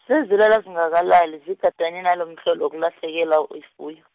sezilala zingakalali, zigadane nalomhlolo wokulahlekelwa yifuyo.